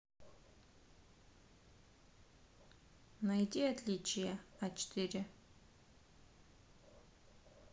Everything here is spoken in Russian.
найди отличия а четыре